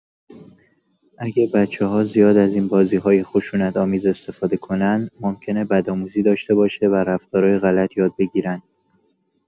اگه بچه‌ها زیاد از این بازی‌های خشونت‌آمیز استفاده کنن، ممکنه بدآموزی داشته باشه و رفتارای غلط یاد بگیرن.